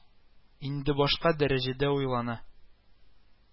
Инде башка дәрәҗәдә уйлана